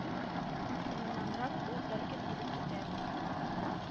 Соңыннанрак ул бәлкем үлеп китәр